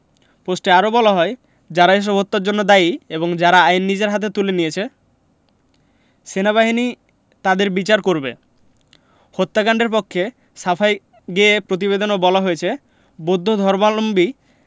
পোস্টে আরো বলা হয় যারা এসব হত্যার জন্য দায়ী এবং যারা আইন নিজের হাতে তুলে নিয়েছে সেনাবাহিনী তাদের বিচার করবে হত্যাকাণ্ডের পক্ষে সাফাই গেয়ে প্রতিবেদনে বলা হয়েছে বৌদ্ধ ধর্মাবলম্বী